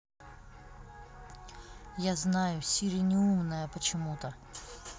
я знаю сири не умная почему то